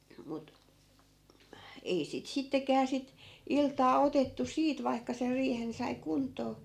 mutta ei sitä sittenkään sitä iltaa otettu siitä vaikka sen riihen sai kuntoon